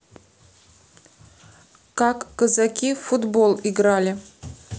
как казаки в футбол играли